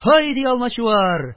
Һайди, Алмачуар!